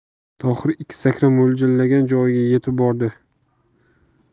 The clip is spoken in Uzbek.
tohir ikki sakrab mo'ljallagan joyiga yetib bordi